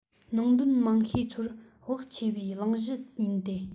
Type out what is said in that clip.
ནང དོན མང ཤས ཚོར བག ཆེ བའི གླེང གཞི ཡིན ཏེ